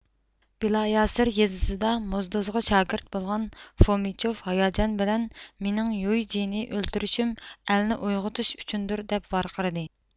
بىلاياسىر يېزىسىدا موزدوزغا شاگىرت بولغان فومىچوف ھاياجان بىلەن مېنىڭ يۇي جىنى ئۆلتۈرۈشۈم ئەلنى ئويغىتىش ئۈچۈندۇر دەپ ۋارقىرىدى